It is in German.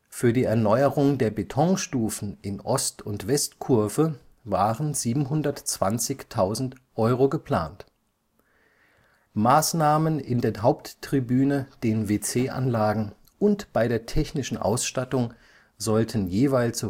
Für die Erneuerung der Betonstufen in Ost - und Westkurve waren 720.000 Euro geplant. Maßnahmen in der Haupttribüne, den WC-Anlagen und bei der technischen Ausstattung sollten jeweils